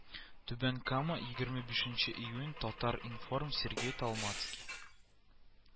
Түбән Кама, егерме бишенче июнь, Татар информ , Сергей Толмацкий